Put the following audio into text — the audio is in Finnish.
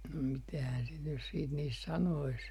no mitähän sitä nyt sitten niistä sanoisi